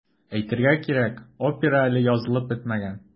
Әйтергә кирәк, опера әле язылып бетмәгән.